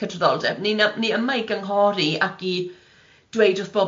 cydrwyddoldeb, ni'n a- ni yma i gynghori ac i dweud wrth bobl